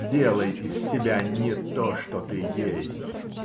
Сделай из себя не то, что ты есть.